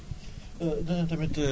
xam naa dinañ ko gën a leeral ci kanam